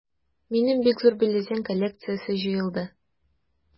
Минем бик зур бюллетень коллекциясе җыелды.